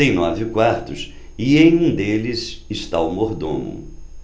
tem nove quartos e em um deles está o mordomo